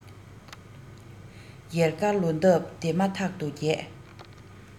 ཡལ ག ལོ འདབ དེ མ ཐག ཏུ རྒྱས